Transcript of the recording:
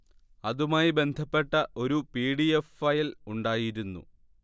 അതുമായി ബന്ധപ്പെട്ട ഒരു പി ഡി എഫ് ഫയൽ ഉണ്ടായിരുന്നു